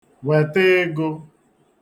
wète egō